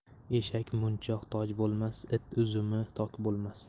eshak munchoq toj bo'lmas it uzumi tok bo'lmas